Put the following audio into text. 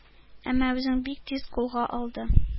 Әмма үзен бик тиз кулга алды.